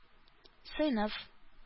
Сыйныф